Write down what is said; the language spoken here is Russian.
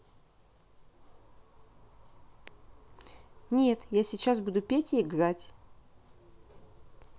нет я сейчас буду петь и играть